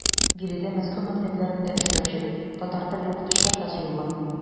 Биредә Мәскәү мәктәпләрендә эшләүче татар телле укытучылар да җыелган.